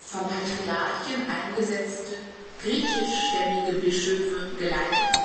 Patriarchen eingesetzte griechischstämmige Bischöfe geleitet wurden